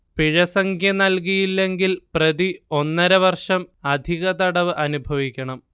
പിഴസംഖ്യ നൽകിയില്ലെങ്കിൽ പ്രതി ഒന്നരവർഷം അധിക തടവ് അനുഭവിക്കണം